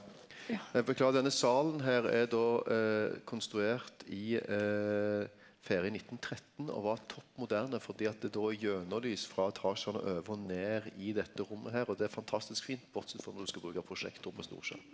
eg beklagar denne salen her er då konstruert i i 1913 og var topp moderne fordi at då lys frå etasjane over og ned i dette rommet her og det er fantastisk fint bortsett frå når du skal bruke prosjektor på storskjerm.